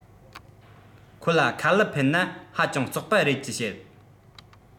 ཁོ ལ ཁ ལུད འཕེན ན ཧ ཅང རྩོག པ རེད ཅེས བཤད